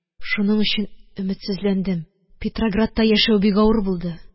Шуның өчен өметсезләндем. Петроградта яшәү бик авыр булды